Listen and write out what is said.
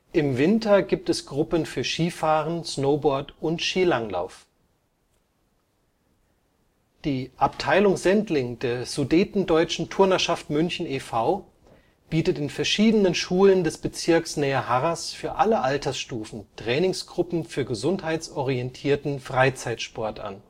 im Winter gibt es Gruppen für Skifahren, Snowboard und Skilanglauf. Die Abteilung Sendling der Sudetendeutschen Turnerschaft München e. V. bietet in verschiedenen Schulen des Bezirks Nähe Harras für alle Altersstufen Trainingsgruppen für gesundheits-orientierten Freizeitsport an